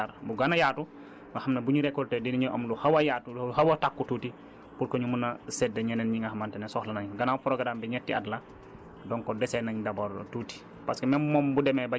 soit mu am un quart d' hectare mu gën a yaatu nga xam ne bu ñu récolter dinañu am lu xaw a yaatu lu xaw a takku tuuti pour que ñu mën a sédd ñeneen ñi nga xamante ne soxla nañ ko gannaaw programme bi ñetti at la donc dese nañ d' abord tuuti